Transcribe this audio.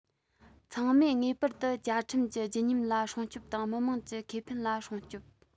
ཚང མས ངེས པར དུ བཅའ ཁྲིམས ཀྱི བརྗིད ཉམས ལ སྲུང སྐྱོབ དང མི དམངས ཀྱི ཁེ ཕན ལ སྲུང སྐྱོབ